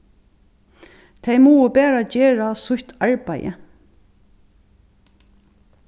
tey mugu bara gera sítt arbeiði